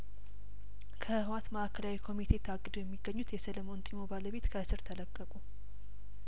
ከህወሀት ማእከላዊ ኮሚቴ ታግደው የሚገኙት የሰለሞን ጢሞ ባለቤት ከእስር ተለቀቁ